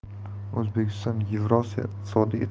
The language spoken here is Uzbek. o'zbekiston yevrosiyo iqtisodiy